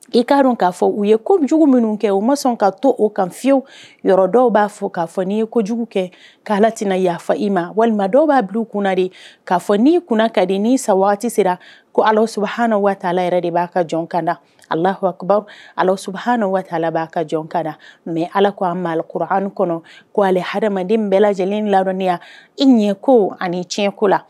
I kaa dun k'a fɔ u ye kojugu minnu kɛ u ma sɔn ka to o kayewu yɔrɔ dɔw b'a fɔ k'a fɔ n'i ye ko jugu kɛ k'a ala tɛna yafa i ma walima dɔw b'a bila kun de k kaa fɔ n' kun ka di n ni sa waati sera ko ala ha waatila yɛrɛ de b'a ka jɔn kada alahwa hala b'a ka jɔn kada mɛ ala ko' akura an kɔnɔ k' ale hadamaden bɛɛ lajɛlen ladɔnniya i ɲɛ ko ani tiɲɛko la